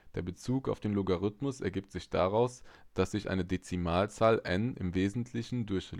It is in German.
Der Bezug auf den Logarithmus ergibt sich daraus, dass sich eine Dezimalzahl n im Wesentlichen durch